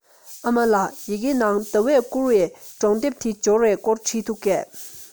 ཨ མ ལགས ཡི གེ ནང ཟླ བསྐུར བའི སྒྲུང དེབ དེ འབྱོར བའི སྐོར བྲིས འདུག གས